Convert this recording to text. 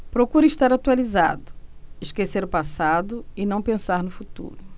procuro estar atualizado esquecer o passado e não pensar no futuro